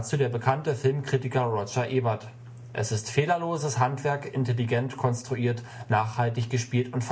der bekannte Filmkritiker Roger Ebert: „ Es ist fehlerloses Handwerk, intelligent konstruiert, nachhaltig gespielt